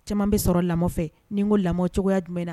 Cɛman bɛ sɔrɔ lamɔ fɛ. Ni n ko lamɔ cogoyaya jumɛn na?